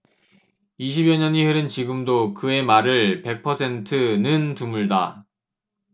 이십 여년이 흐른 지금도 그의 말을 백 퍼센트 는 드물다